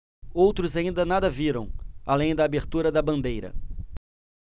outros ainda nada viram além da abertura da bandeira